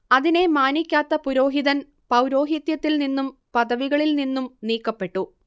അതിനെ മാനിക്കാത്ത പുരോഹിതൻ പൗരോഹിത്യത്തിൽ നിന്നും പദവികളിൽ നിന്നും നീക്കപ്പെട്ടു